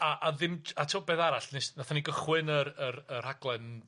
A a ddim ty- a t'wbo beth arall nes- nathon ni gychwyn yr yr y rhaglen